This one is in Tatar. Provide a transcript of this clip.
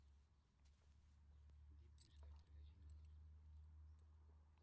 Дип үзгәртергә җыеналар.